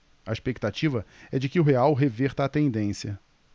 a expectativa é de que o real reverta a tendência